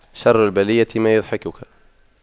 شر البلية ما يضحك